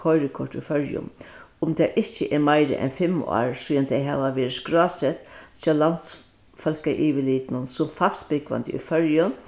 koyrikort í føroyum um tað ikki er meira enn fimm ár síðani tey hava verið skrásett hjá landsfólkayvirlitinum sum fastbúgvandi í føroyum